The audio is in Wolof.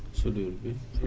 soudure bi